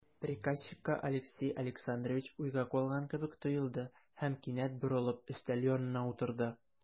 Приказчикка Алексей Александрович уйга калган кебек тоелды һәм, кинәт борылып, өстәл янына утырды.